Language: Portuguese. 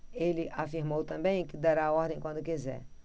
ele afirmou também que dará a ordem quando quiser